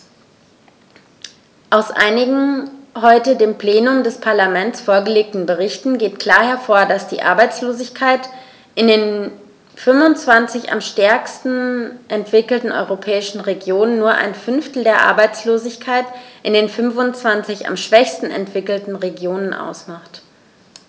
Aus einigen heute dem Plenum des Parlaments vorgelegten Berichten geht klar hervor, dass die Arbeitslosigkeit in den 25 am stärksten entwickelten europäischen Regionen nur ein Fünftel der Arbeitslosigkeit in den 25 am schwächsten entwickelten Regionen ausmacht.